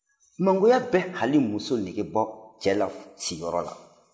mangoya bɛ hali muso negebɔ cɛ la siyɔrɔ la